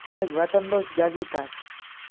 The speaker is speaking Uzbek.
kerak vatandosh gazetasi